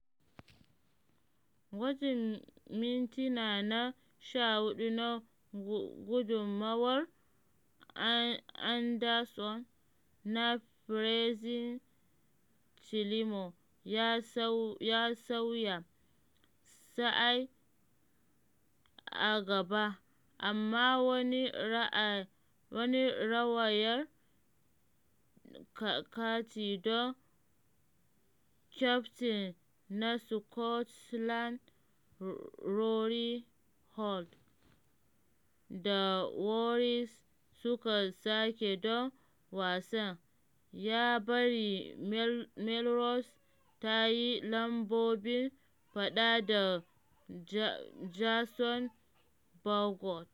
Gwajin mintina na 14 na gudunmawar Anderson, da Frazier Climo ya sauya, sa Ayr a gaba, amma, wani rawayar kati don kyaftin na Scotland Rory Hughes, da Warriors suka sake don wasan, ya bari Melrose ta yi lambobin faɗa da Jason Baggot